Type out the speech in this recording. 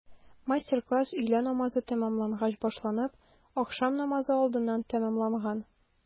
Мастер-класс өйлә намазы тәмамлангач башланып, ахшам намазы алдыннан тәмамланган.